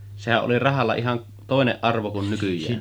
sehän oli rahalla ihan toinen arvo kuin nykyään